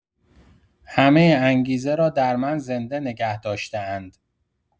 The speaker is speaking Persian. همه انگیزه را در من زنده نگه داشته‌اند.